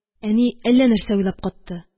Әни әллә нәрсә уйлап катты